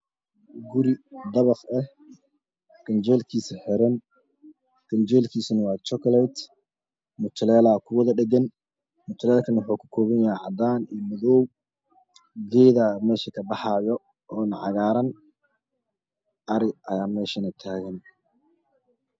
Halkan waa filo waa madoow iyo cadan wax mesha tagan ari waxan kuyalo geed talal